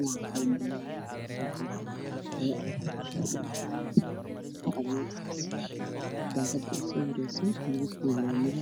Waa carwo waxa ay muuqda khamiisyo suudaan suud ka midabkiisa waa madow khamiisyada midabkoodu